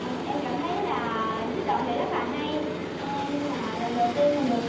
em cảm thấy là trích đoạn này rất là hay nhưng mà lần đầu tiên mình được